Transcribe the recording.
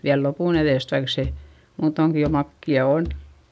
vielä lopun edestä vaikka se muutoinkin jo makeaa on